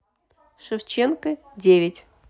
шевченко девять